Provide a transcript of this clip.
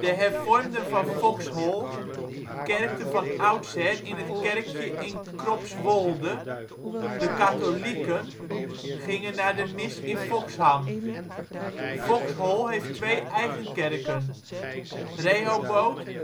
Hervormden van Foxhol kerkten van oudsher in het kerkje in Kropswolde, de Katholieken gingen naar de mis in Foxham. Foxhol heeft twee eigen kerken: Rehoboth